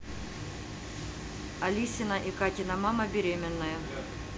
алисина и катина мама беременная